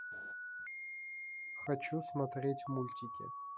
хочу смотреть мультики